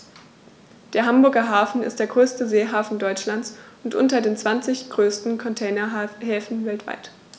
Der Hamburger Hafen ist der größte Seehafen Deutschlands und unter den zwanzig größten Containerhäfen weltweit.